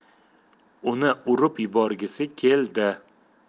uni urib yuborgisi keldi